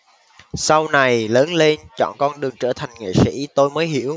sau này lớn lên chọn con đường trở thành nghệ sỹ tôi mới hiểu